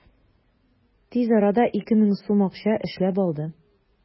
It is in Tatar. Тиз арада 2000 сум акча эшләп алды.